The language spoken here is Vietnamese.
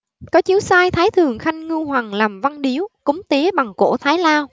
có chiếu sai thái thường khanh ngưu hoằng làm văn điếu cúng tế bằng cỗ thái lao